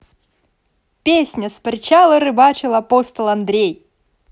песня с причала рыбачил апостол андрей